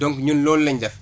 donc ñun loolu la ñu def